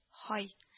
Һай